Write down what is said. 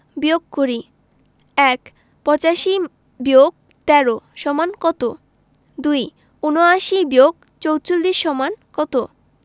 বিয়োগ করিঃ ১ ৮৫-১৩ = কত ২ ৭৯-৪৪ = কত